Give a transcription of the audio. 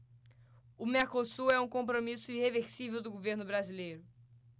o mercosul é um compromisso irreversível do governo brasileiro